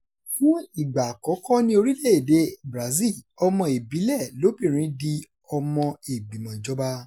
Fún ìgbà àkọ́kọ́ ní orílẹ̀-èdèe Brazil, ọmọ ìbílẹ̀ lóbìnrin di ọmọ ìgbìmọ̀ ìjọba